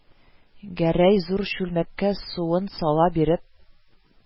Гәрәй зур чүлмәккә суын сала биреп: